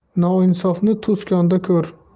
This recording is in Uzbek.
noinsofni tuzkonda ko'r